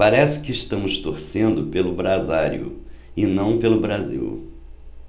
parece que estamos torcendo pelo brasário e não pelo brasil